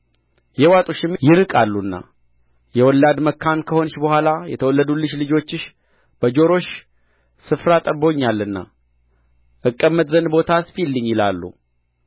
የዋጡሽም ይርቃሉና የወላድ መካን ከሆንሽ በኋላ የተወለዱልሽ ልጆችሽ በጆሮሽ ስፍራ ጠብቦኛልና እቀመጥ ዘንድ ቦታ አስፊልኝ ይላሉ